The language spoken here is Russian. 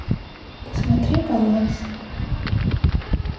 посмотри баланс